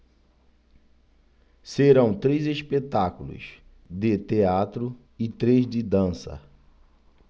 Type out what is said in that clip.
serão três espetáculos de teatro e três de dança